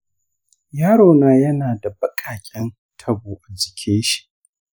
yaro na yana da baƙaƙen taɓo a jikinshi.